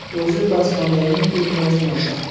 o'zi pasmondaning ko'ngli osmonda